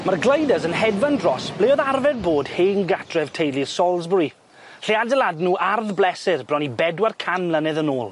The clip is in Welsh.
Ma'r gliders yn hedfan dros ble o'dd arfer bod hen gatref teulu'r Salisbury lle adeiladon nw ardd bleser bron i bedwar can mlynedd yn ôl.